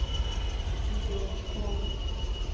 видео клон